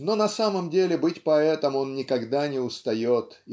" Но на самом деле быть поэтом он никогда не устает